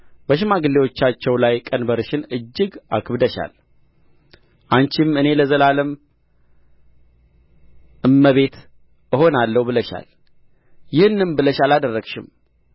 በሽማግሌዎቻቸው ላይ ቀንበርሽን እጅግ አክብደሻል አንቺም እኔ ለዘላለም እመቤት እሆናለሁ ብለሻል ይህንም በልብሽ አላደረግሽም